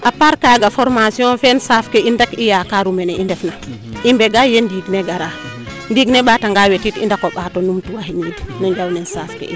a part kaaga formation fe faaf ke in ref i yakaru mene i ndef na i mbega ye nding ne gara ndiing ne mbaata nga wet yit i ndako mbaato numtu a xin no njawne saaf ke in